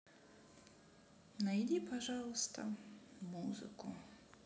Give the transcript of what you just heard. найди пожалуйста музыку